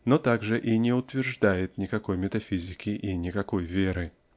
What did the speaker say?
но также и не утверждает никакой метафизики и никакой веры .